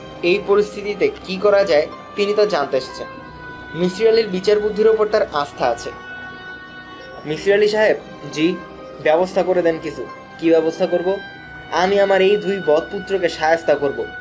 এই পরিস্থিতিতে কী করা যায় তিনি তা জানতে এসেছেন মিসির আলির বিচার-বুদ্ধির ওপর তার আস্থা আছে মিসির আলি সাহেব জি ব্যবস্থা করে দেন কী ব্যবস্থা করব আমি আমার এই দুই বদপুত্রকে শায়েস্তা করব